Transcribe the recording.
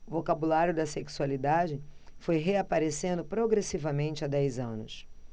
o vocabulário da sexualidade foi reaparecendo progressivamente há dez anos